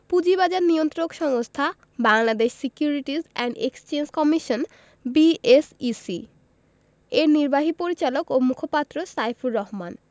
পুঁজিবাজার নিয়ন্ত্রক সংস্থা Bangladesh Securities and Exchange Commission BSEC এর নির্বাহী পরিচালক ও মুখপাত্র সাইফুর রহমান